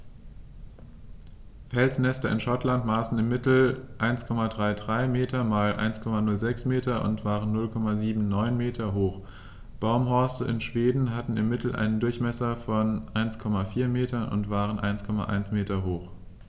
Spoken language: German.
Felsnester in Schottland maßen im Mittel 1,33 m x 1,06 m und waren 0,79 m hoch, Baumhorste in Schweden hatten im Mittel einen Durchmesser von 1,4 m und waren 1,1 m hoch.